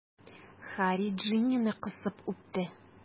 Һарри Джиннины кысып үпте.